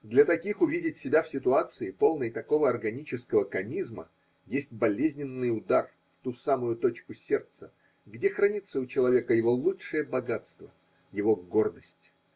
Для таких увидеть себя в ситуации, полной такого органического комизма, есть болезненный удар в ту самую точку сердца, где хранится у человека его лучшее богатство – его гордость.